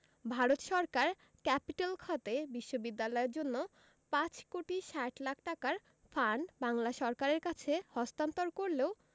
ভারত সরকার ক্যাপিটেল খাতে বিশ্ববিদ্যালয়ের জন্য ৫ কোটি ৬০ লাখ টাকার ফান্ড বাংলা সরকারের কাছে হস্তান্তর করলেও